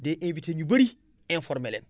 day invité ñu bëri informé leen